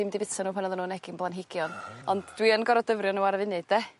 dim 'di bita n'w pan oddan nw'n egin blanhigion. Ah! Ond dwi yn gor'o' dyfrio n'w ar y funud 'de.